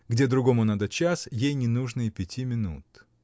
где другому надо час, ей не нужно и пяти минут.